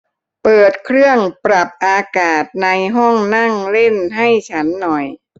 เปิดเครื่องปรับอากาศในห้องนั่งเล่นให้ฉันหน่อย